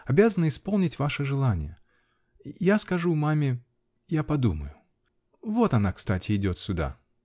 обязана исполнить ваше желание. Я скажу маме. я подумаю. Вот она. , кстати, идет сюда.